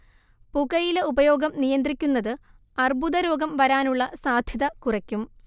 പുകയില ഉപയോഗം നിയന്ത്രിക്കുന്നത് അർബുദരോഗം വരാനുള്ള സാധ്യത കുറയ്ക്കും